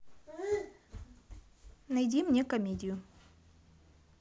найди мне комедию